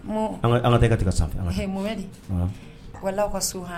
Ala tɛ ka tigɛ sanfɛ wala aw ka so h